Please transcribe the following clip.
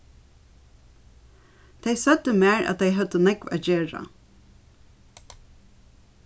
tey søgdu mær at tey høvdu nógv at gera